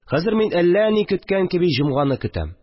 Хәзер мин әллә ни көткән кеби җомганы көтәм